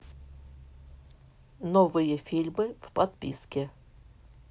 новые фильмы в подписке